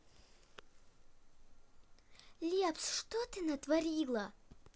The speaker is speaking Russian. лепс что то натворила